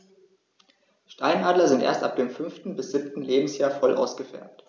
Steinadler sind erst ab dem 5. bis 7. Lebensjahr voll ausgefärbt.